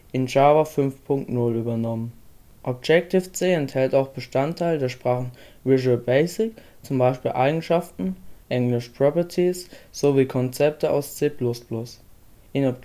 in Java 5.0 übernommen). C# enthält auch Bestandteile der Sprachen VisualBasic, zum Beispiel Eigenschaften (properties), sowie Konzepte aus C++. In